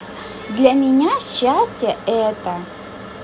для меня счастье это